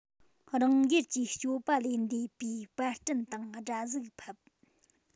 རང སྒེར གྱིས སྤྱོད པ ལས འདས པའི པར སྐྲུན དང སྒྲ གཟུགས ཕབ